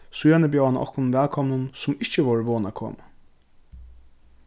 síðan bjóðaði hann okkum vælkomnum sum ikki vóru von at koma